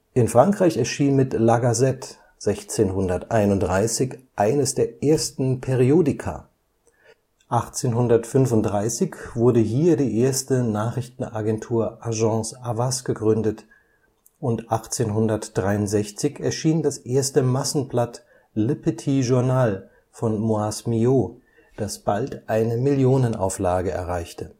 In Frankreich erschien mit La Gazette 1631 eines der ersten Periodika, 1835 wurde hier die erste Nachrichtenagentur Agence Havas gegründet und 1863 erschien das erste Massenblatt Le Petit Journal von Moïse Millaud, das bald eine Millionenauflage erreichte